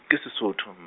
ke Sesotho mm-.